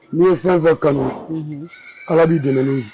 N'u ye fɛn o fɛn kanu allah b'ui dɛmɛ n'o ye.